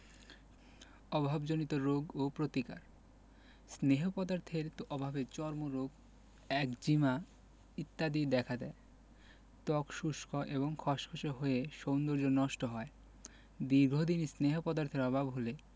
অভাবজনিত রোগ ও প্রতিকার স্নেহ পদার্থের অভাবে চর্মরোগ একজিমা ইত্যাদি দেখা দেয় ত্বক শুষ্ক এবং খসখসে হয়ে সৌন্দর্য নষ্ট হয় দীর্ঘদিন স্নেহ পদার্থের অভাব হলে